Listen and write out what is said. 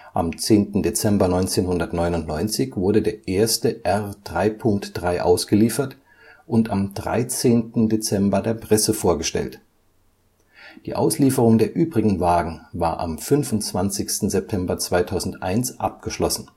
Am 10. Dezember 1999 wurde der erste R 3.3 ausgeliefert und am 13. Dezember der Presse vorgestellt. Die Auslieferung der übrigen Wagen war am 25. September 2001 abgeschlossen